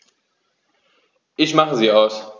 Ich mache sie aus.